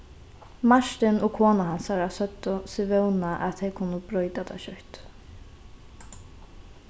martin og kona hansara søgdu seg vóna at tey kunnu broyta tað skjótt